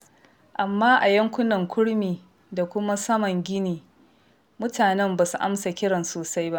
Amma a yankunan kurmi da kuma saman Gini, mutanen ba su amsa kiran sosai ba.